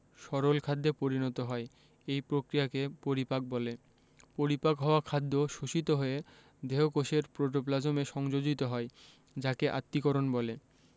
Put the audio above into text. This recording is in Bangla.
সরল খাদ্যে পরিণত হয় এই প্রক্রিয়াকে পরিপাক বলে পরিপাক হওয়া খাদ্য শোষিত হয়ে দেহকোষের প্রোটোপ্লাজমে সংযোজিত হয় যাকে আত্তীকরণ বলে